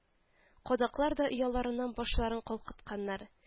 Кадаклар да ояларыннан башларын калкытканнар